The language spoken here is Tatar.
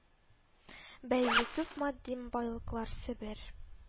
Бәйле күп матди байлыклар себер